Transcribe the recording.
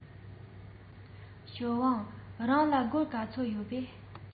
ཞའོ ཧྥང རང ལ སྒོར ག ཚོད ཡོད པས